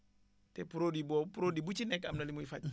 te produit boobu produit bu ci nekk am na lu muy faj